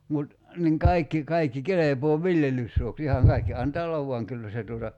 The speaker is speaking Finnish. mutta niin kaikki kaikki kelpaa viljelyssuoksi ihan kaikki antaa olla vaan kyllä se tuota